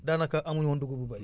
daanaka amuñ woon dugub bu bari